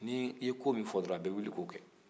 n'i ye ko min fɔ dɔrɔn a bɛ wuli k'o kɛ